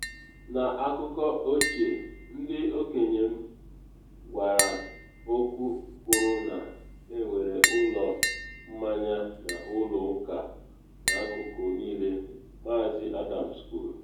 “N’akụkọ ochie, ndị okenye m gwara okwu kwuru na enwere ụlọ mmanya na ụlọ ụka n’akụkụ niile,” Maazị Adams kwuru.